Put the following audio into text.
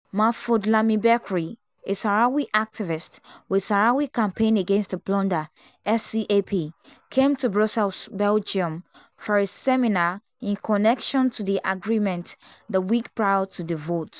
Mahfoud Lamin Bechri, a Sahrawi activist with Sahrawi Campaign Against the Plunder (SCAP), came to Brussels, Belgium, for a seminar in connection to the agreement the week prior to the vote.